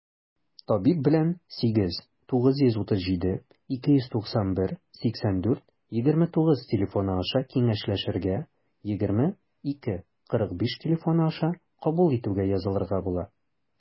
Табиб белән 89372918429 телефоны аша киңәшләшергә, 20-2-45 телефоны аша кабул итүгә язылырга була.